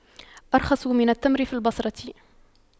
أرخص من التمر في البصرة